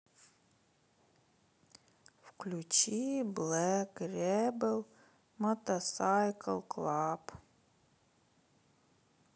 включи блэк ребел мотосайкл клаб